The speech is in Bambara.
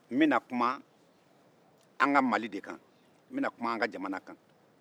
n bɛna kuma an ka mali de kan n bɛna kuma an ka jamana kan